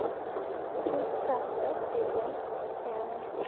puf sassiq degan ekan